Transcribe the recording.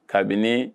Kabini